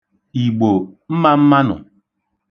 Igbo, mmammanụ!